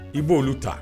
I b'olu ta